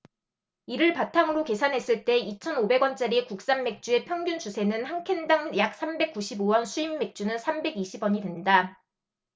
이를 바탕으로 계산했을 때 이천 오백 원짜리 국산맥주의 평균 주세는 한 캔 당 약 삼백 구십 오 원 수입맥주는 삼백 이십 원이된다